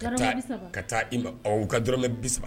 Ka taa ka taa i ma u ka dɔrɔnɔrɔmɛ bi saba